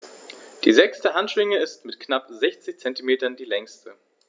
Die sechste Handschwinge ist mit knapp 60 cm die längste.